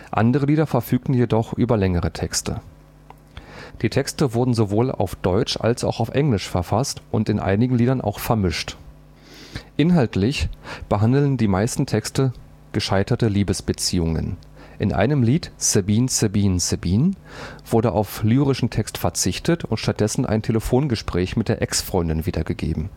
Andere Lieder verfügten jedoch über längere Texte. Die Texte wurden sowohl auf deutsch als auch auf englisch verfasst und in einigen Liedern auch vermischt. Inhaltlich behandeln die meisten Texte gescheiterte Liebesbeziehungen. In einem Lied („ Sabine Sabine Sabine “) wird auf lyrischen Text verzichtet und stattdessen ein Telefongespräch mit der Ex-Freundin wiedergegeben